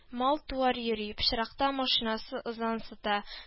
Мал-туар йөри, пычракта машинасы ызан сыта